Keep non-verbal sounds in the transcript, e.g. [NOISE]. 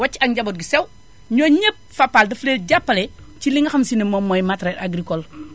wacc ag njaboot gu sew ñoonu ñépp Fapal dafa leen jàppale [NOISE] ci li nga xam si ne moom mooy matériels agricoles [NOISE]